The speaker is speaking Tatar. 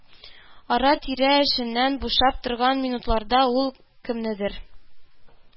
Ара-тирә эшеннән бушап торган минутларда ул, кемнедер